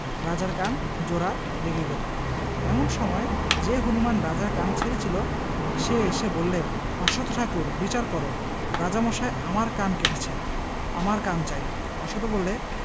রাজার কান জোড়া লেগে গেল এমন সময় যে হনুমান রাজার কান ছিঁড়েছিল সে এসে বললে অশ্বথ ঠাকুর বিচার কর রাজামশায় আমার কান কেটেছে আমার কান চাই অশ্বখ বললে